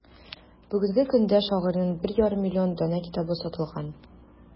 Бүгенге көндә шагыйрәнең 1,5 миллион данә китабы сатылган.